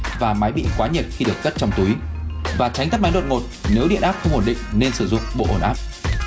và máy bị quá nhiệt khi được cất trong túi và tránh tắt máy đột ngột nếu điện áp không ổn định nên sử dụng bộ ổn áp